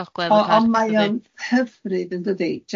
O- ond mae o'n hyfryd, yndydi?